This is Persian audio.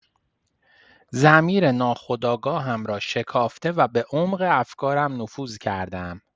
ضمیر ناخودآگاهم را شکافته و به عمق افکارم نفوذ کرده‌ام.